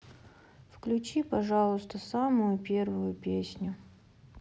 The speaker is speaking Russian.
включи пожалуйста самую первую песню